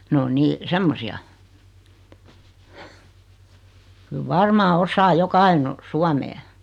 ne on niin semmoisia kyllä varmaan osaa joka ainoa suomea